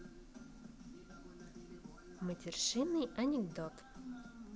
матершинный анекдот